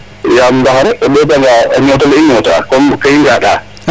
yaam ndaxar o ɗeetanga o ñoot ole i ñotaa comme ke i nqaɗaq